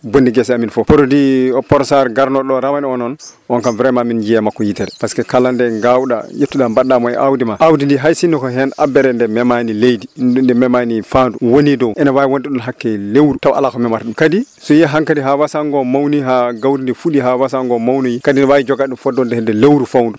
bonni gueese amen foof produit aprostar garnoɗo ɗo rawane o noon on kam vraiment min jiiye makko yitere par ce que kala nde gaw ɗa ƴettuɗa badɗamo e awdi ma awdi ndi hay sinno hen abbere nde memani leydi ni nde memani faandu woni dow ene wawi wonde ɗon hakke lewru taw ala ko memata ɗum kadi yeehi hankkadi ha wasagogo mawni ha gawri ndi fuɗɗi ha wasagogo mawnoyi kadi ne wawi jogade ɗum fodde ɗon hedde lewru faawndu